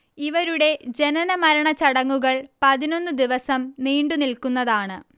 ഇവരുടെ ജനനമരണച്ചടങ്ങുകൾ പതിനൊന്ന് ദിവസം നീണ്ടു നില്ക്കുന്നതാണ്